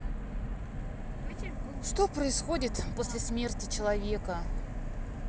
что происходит после смерти человека